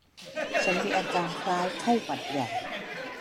ฉันมีอาการคล้ายไข้หวัดใหญ่